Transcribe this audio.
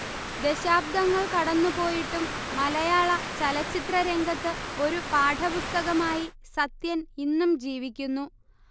ദശാബ്ദങ്ങൾ കടന്നുപോയിട്ടും മലയാള ചലച്ചിത്ര രംഗത്ത് ഒരു പാഠപുസ്തകമായി സത്യൻ ഇന്നും ജീവിക്കുന്നു